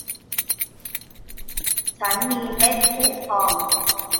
ฉันมีเม็ดพุพอง